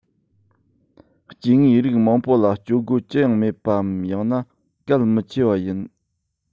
སྐྱེ དངོས རིགས མང པོ ལ སྤྱོད སྒོ ཅི ཡང མེད པའམ ཡང ན གལ མི ཆེ བ ཡིན